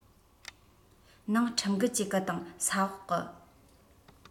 ནང ཁྲིམས འགལ གྱིས གི དང ས འོག གི